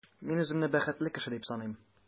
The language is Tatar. Мин үземне бәхетле кеше дип саныйм.